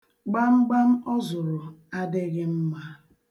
Gbamgbam ọ zụrụ adịghị mma.